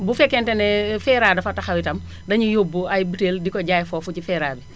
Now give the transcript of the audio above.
bu fekkente ne Feera dafa taxaw itam dañuy yóbbu ay butéel di ko jaay foofu ci Feera bi